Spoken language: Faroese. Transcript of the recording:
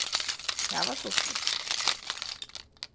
tað var stuttligt